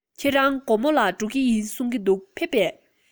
ཁྱེད རང གོར མོ ལ འགྲོ རྒྱུ ཡིན གསུང པས ཕེབས སོང ངམ